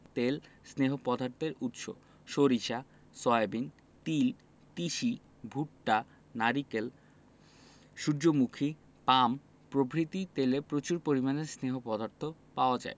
তেল স্নেহ পদার্থের উৎস সরিষা সয়াবিন তিল তিসি ভুট্টা নারিকেল সুর্যমুখী পাম প্রভৃতির তেলে প্রচুর পরিমাণে স্নেহ পদার্থ পাওয়া যায়